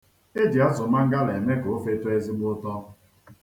E ji azụ mangala eme ka ofe tọọ ezigbo ụtọ.